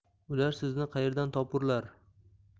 ular sizni qayerdan topurlar